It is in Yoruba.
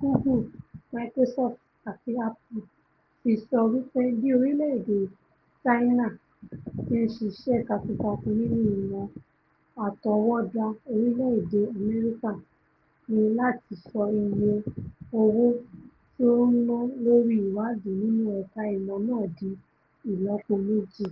Google, Microsoft àti Apple tí sọ wí pé bí orílẹ̀-èdè Ṣáínà ti ǹ ṣíṣẹ́ tákútákún nínú Ìmọ̀ Àtọwọ́dá, orílẹ̀-èdè U.S ní láti sọ iye owó tí ó ń ná lórí ìwáàdí nínú ẹ̀ka ìmọ̀ náà di ìlọ́po méjì.